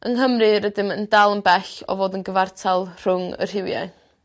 Yng Nghymru rydym yn dal yn bell o fod yn gyfartal rhwng y rhywiau.